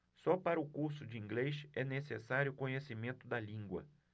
só para o curso de inglês é necessário conhecimento da língua